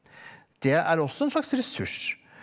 det er også en slags ressurs.